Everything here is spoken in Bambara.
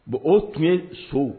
Bon o tun ye sow